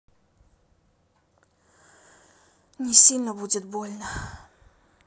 не сильно будет больно